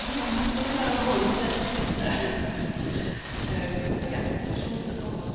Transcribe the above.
na fel 'ma ti fod i chwara' 'fo hwn 'lly . Yrm so ia jys' rhowch y gofod